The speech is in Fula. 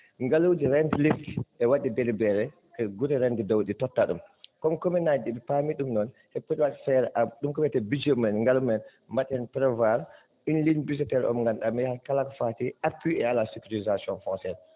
ngaluuji men lekki e wadde délibéré e gure rang fra: ɗi dow ɗi totta ɗum kono comme commune aaji ɗi ɓe paamii ɗum ɗon ɓe poti waɗ feere an ɗum ko wiyetee budget men ngalu men mbatɗen prévoir * mbiyetee ɗo o mo ngannduɗaa minen kala ko faati e appui et à la sécurisation fonciére